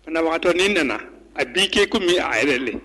Abaatɔin nana a bi kɛ ko min a yɛrɛlen